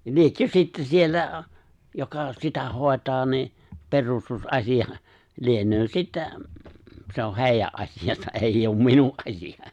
liekö sitten siellä joka sitä hoitaa niin perustusasia lienee sitten se on heidän asiansa ei ole minun asia